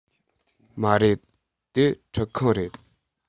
མ རེད དེ ཁྲུད ཁང རེད